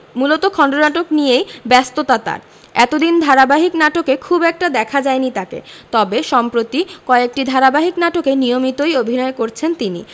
মূলত খণ্ডনাটক নিয়েই ব্যস্ততা তার এতদিন ধারাবাহিক নাটকে খুব একটা দেখা যায়নি তাকে তবে সম্প্রতি কয়েকটি ধারাবাহিক নাটকে নিয়মিতই অভিনয় করছেন তিনি